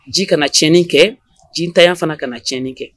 Ji kana tiɲɛni kɛ ji ntaɲa fana kana tiɲɛni kɛ